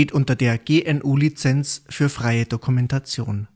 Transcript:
unter der GNU Lizenz für freie Dokumentation